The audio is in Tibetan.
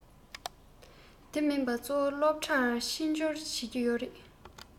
དེ མིན པ གཙོ བོ སློབ གྲྭར ཕྱི འབྱོར བྱེད ཀྱི ཡོད རེད